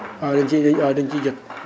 waaw da ñu ciy waaw da ñu ciy jot